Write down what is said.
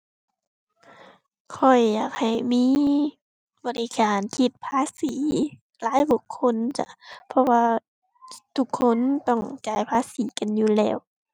ข้อยอยากให้มี บริการคิดภาษีรายบุคคลจ้ะ เพราะว่าทุกคนต้องจ่ายภาษีกันอยู่แล้ว